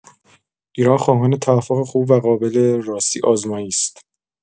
ایران خواهان توافق خوب و قابل راستی‌آزمایی است.